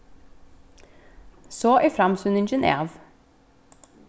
so er framsýningin av